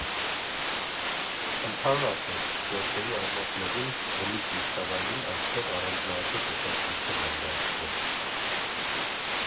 Ընդհանրապես, գորգերի արմատներին, բնիկ միջավայրին այստեղ առանձնահատուկ ուշադրություն են դարձրել։